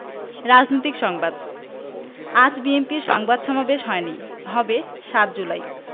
রাজনৈতিক সংবাদ আজ বিএনপির প্রতিবাদ সমাবেশ হয়নি হবে ৭ জুলাই